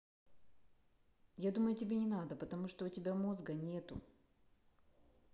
я думаю тебе не надо потому что у тебя мозга нету